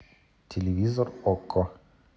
телевизор окко